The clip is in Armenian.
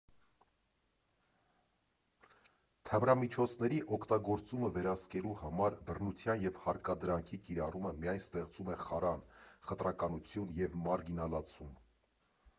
Թմրամիջոցների օգտագործումը վերահսկելու համար բռնության և հարկադրանքի կիրառումը միայն ստեղծում է խարան, խտրականություն և մարգինալացում։